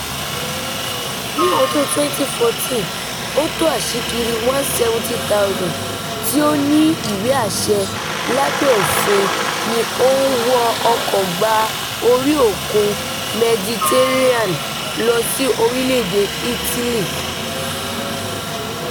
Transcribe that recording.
Ní ọdún-un 2014, ó tó aṣíkiri 170,000 tí ò ní ìwé-àṣẹ lábẹ́ òfin ni ó ń wọ ọkọ̀ gba orí òkun Mediterranean lọ sí orílẹ̀-èdè Italy.